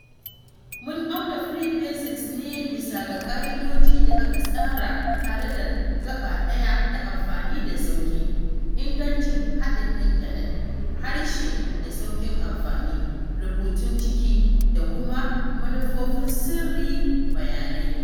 Mun auna Free Basics ne bisa ga ƙa’idoji da aka tsara tare gaba ɗaya na amfani da sauƙi, ingancin haɗin intanet, harshe da sauƙin amfani, rubutun ciki,, da kuma manufofin sirri/bayanai.